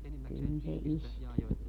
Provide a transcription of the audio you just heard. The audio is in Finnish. kyllä se iskee